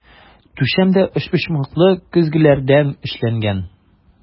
Түшәм дә өчпочмаклы көзгеләрдән эшләнгән.